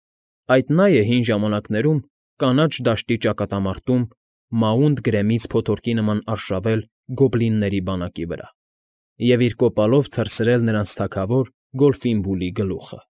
Այդ նա է հին ժամանակներում Կանաչ Դաշտի ճակատամարտում Մաունտ֊Գրեմից փոթորիկի նման արշավել գոբլինների բանակի վրա և իր կոպալով թռցրել նրանց թագավոր Գոլֆիմբուլի գլուխը։